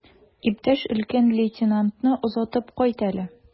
Иптәш өлкән лейтенантны озатып кайт әле.